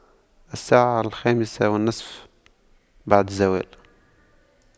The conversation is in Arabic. الساعة الخامسة والنصف بعد الزوال